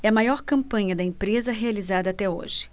é a maior campanha da empresa realizada até hoje